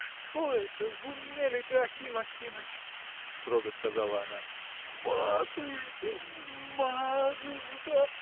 — Что это, в уме ли ты, Аким Акимыч? — строго сказала она. — Матушка, матушка!